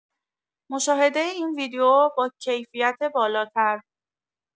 مشاهده این ویدئو باکیفیت بالاتر